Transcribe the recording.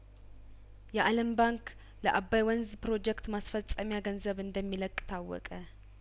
የአለም ባንክ ለአባይ ወንዝ ፕሮጀክት ማስፈጸሚያ ገንዘብ እንደሚለቅ ታወቀ